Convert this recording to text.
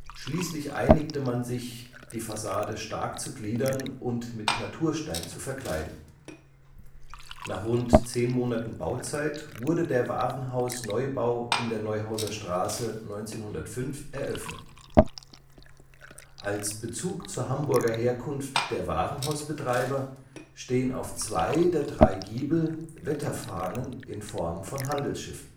Schließlich einigte man sich die Fassade stark zu gliedern und mit Naturstein zu verkleiden. Nach rund zehn Monaten Bauzeit wurde der Warenhaus-Neubau in der Neuhauser Straße 1905 eröffnet. Als Bezug zur Hamburger Herkunft der Warenhausbetreiber stehen auf zwei der drei Giebel Wetterfahnen in Form von Handelsschiffen